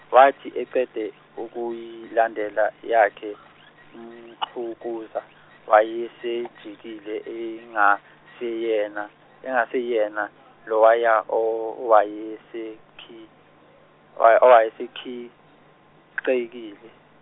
wathi eqeda ukuyilandela yakhe uMxukuza wayesejikile engase yena engase yena lowaya owayesekhi- owayekhicekile.